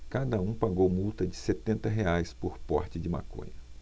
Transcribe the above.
cada um pagou multa de setenta reais por porte de maconha